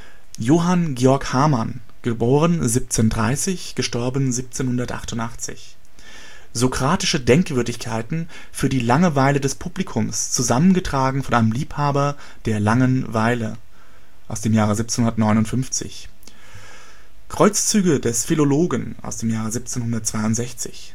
Johann Georg Hamann (1730 - 1788) Sokratische Denkwürdigkeiten für die lange Weile des Publikums zusammengetragen von einem Liebhaber der langen Weile 1759 Kreuzzüge des Philologen 1762